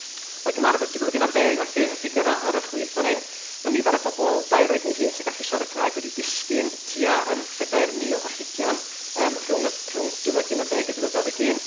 O'i gymharu efo dwy fil ac unarddeg, felly, y ffigurau ar y chwith fan hyn, ma' nifer o bobl dair oed neu hun sy'n gallu siarad Cymraeg wedi disgyn tua yym phedair mil ar hugain yym rhwng y... rhwng dwy fil ac unarddeg a dwy fil a dauddeg un.